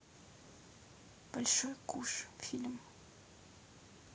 большой куш фильм